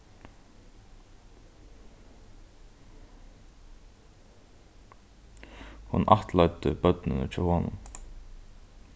hon ættleiddi børnini hjá honum